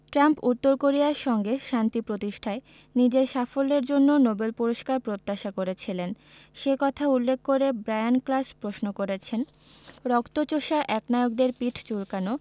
Trump উত্তর কোরিয়ার সঙ্গে শান্তি প্রতিষ্ঠায় নিজের সাফল্যের জন্য নোবেল পুরস্কার প্রত্যাশা করেছিলেন সে কথা উল্লেখ করে ব্রায়ান ক্লাস প্রশ্ন করেছেন রক্তচোষা একনায়কদের পিঠ চুলকানো